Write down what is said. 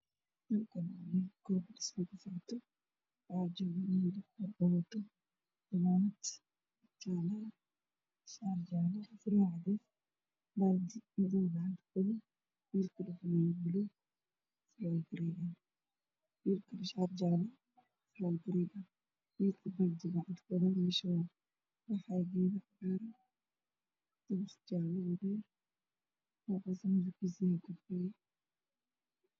Halkaan waxaa ka muuqdo labo nin mid uu qabo fanaanad orange mid kalena fanaanad grey ah waxa ay ka shaqaynaayaa shamiito baaldi madaw gacanta ayuu ku hayaa